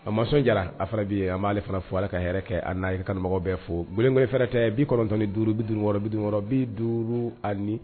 Amasɔn Jara a fana bɛ yen an b'ale fana fo Ala ka hɛrɛ kɛ a n'an kanubaga, bɛɛ fo fɛrɛtɛ 95 56 56 50 ani